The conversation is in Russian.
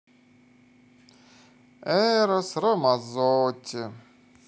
эрос рамазотти